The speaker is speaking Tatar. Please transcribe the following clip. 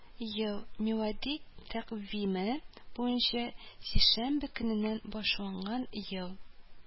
Ел – милади тәкъвиме буенча сишәмбе көненнән башланган ел